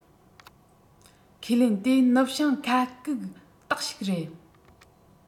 ཁས ལེན དེ ནུབ བྱང ཁ གུག རྟགས ཞིག རེད